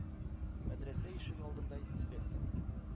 Мәдрәсә ишек алдында инспектор